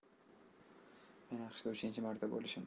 men aqshda uchinchi marta bo'lishim